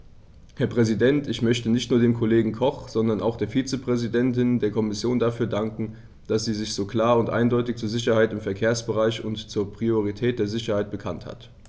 Herr Präsident, ich möchte nicht nur dem Kollegen Koch, sondern auch der Vizepräsidentin der Kommission dafür danken, dass sie sich so klar und eindeutig zur Sicherheit im Verkehrsbereich und zur Priorität der Sicherheit bekannt hat.